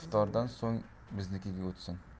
so'ng biznikiga o'tsin